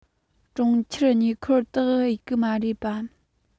གྲོང ཁྱེར ཉེ འཁོར དག གཡུགས གི མ རེད པཱ